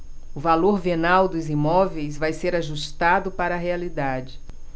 o valor venal dos imóveis vai ser ajustado para a realidade